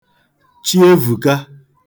Chievùka